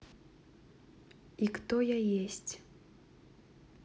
и кто я есть